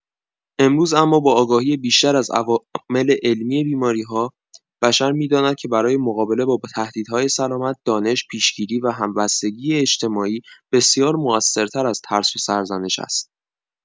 امروز اما با آگاهی بیشتر از عوامل علمی بیماری‌ها، بشر می‌داند که برای مقابله با تهدیدهای سلامت، دانش، پیش‌گیری و همبستگی اجتماعی بسیار مؤثرتر از ترس و سرزنش است.